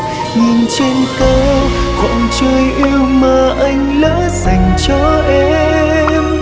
nhìn trên cao khoảng trời yêu mà anh lỡ dành cho em